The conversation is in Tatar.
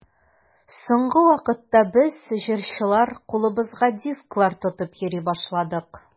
Соңгы вакытта без, җырчылар, кулыбызга дисклар тотып йөри башладык.